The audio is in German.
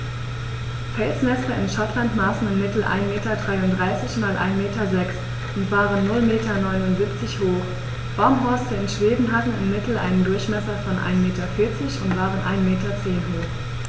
Felsnester in Schottland maßen im Mittel 1,33 m x 1,06 m und waren 0,79 m hoch, Baumhorste in Schweden hatten im Mittel einen Durchmesser von 1,4 m und waren 1,1 m hoch.